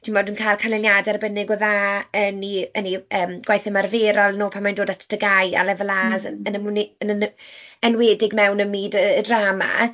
Timod yn cael canlyniadau arbennig o dda yn eu yn eu yym gwaith ymarferol nhw pan mae'n dod at y TGAU a Lefel As yn enwne- yn enw- enwedig mewn... ym myd y drama.